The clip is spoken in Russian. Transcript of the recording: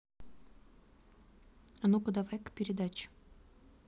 а ну ка давай ка передача